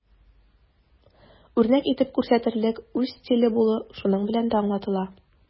Үрнәк итеп күрсәтерлек үз стиле булу шуның белән дә аңлатыла.